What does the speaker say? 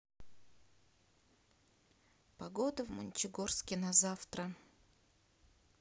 погода в мончегорске на завтра